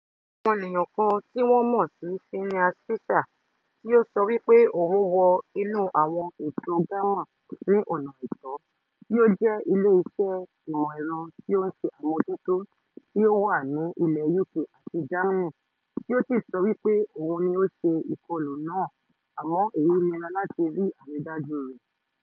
Ọmọnìyàn kan tí wọ́n mọ̀ sí "Phineas Fisher", tí ó sọ wí pé òun wọ inú àwọn ètò Gamma ní ọ̀nà àìtọ́, tí ó jẹ́ ilé iṣẹ́ ìmọ̀ ẹ̀rọ tí ó ń ṣe àmójútó tí ó wà ní ilẹ̀ UK àti Germany, tí ó sì sọ wí pé òun ni ó ṣe ìkọlù náà, àmọ́ èyí nira láti rí àrídájú rẹ̀.